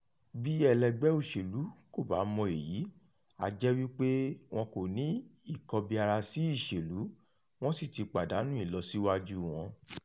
Bí ẹlẹ́gbẹ́ olóṣèlú kò bá mọ èyí, a jẹ́ wípé wọn kò ní ìkọbiarasí ìṣèlú wọ́n sì ti pàdánù ìlọsíwájúu wọn.